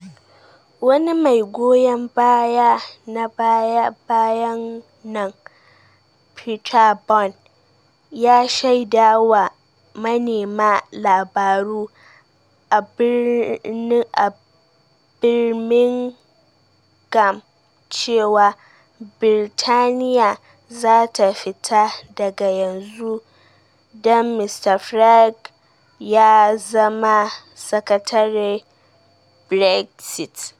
Wani mai goyon baya na baya-bayan nan, Peter Bone, ya shaida wa manema labaru a Birmingham cewa Birtaniya za ta fita daga yanzu idan Mr Farage ya zama Sakatare Brexit.